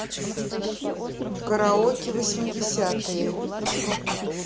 караоке восьмидесятые